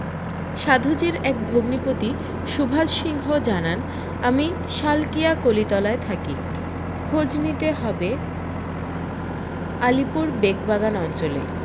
সাধুজির এক ভগ্নিপতি সুভাষ সিংহ জানান আমি সালকিয়া কলিতলায় থাকি খোঁজ নিতে হবে আলিপুর বেকবাগান অঞ্চলে